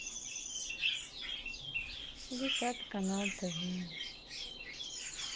десятый канал тв